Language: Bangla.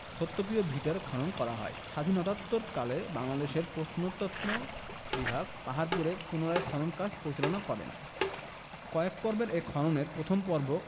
সত্যপীর ভিটায় খনন করা হয় স্বাধীনতাত্তোরকালে বাংলাদেশের প্রত্নতত্ত্ব বিভাগ পাহাড়পুরে পুনরায় খনন কাজ পরিচালনা করে কয়েক পর্বের এ খননের ১ম পর্ব